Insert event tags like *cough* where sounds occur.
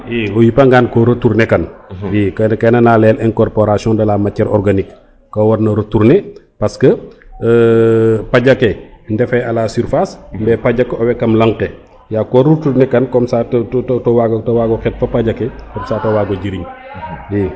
i o yipa ngan ko retourner kan i to kene na leyel incomporation de la matiere organique ko warno retourner parce que *hesitation* paƴake ndefe a la surface mais paƴa ke o mbay kam laŋ ke yaag ko retourner kan comme ca te te wago xet fo paƴa ke comme ca te wago jiriñ i